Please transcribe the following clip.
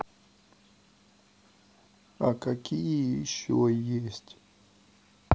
а какие еще есть